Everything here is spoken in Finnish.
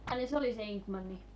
minkälainen se oli se Ingman